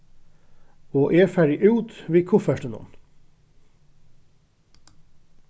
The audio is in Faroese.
og eg fari út við kuffertinum